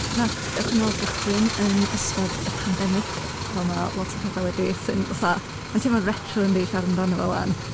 Wnaeth Dewch Yn Ôl gychwyn yn ystod y pandemig fel mae lot o pethau wedi... sy'n, fatha... Mae'n teimlo'n retro, yndy, siarad amdano fo 'wan?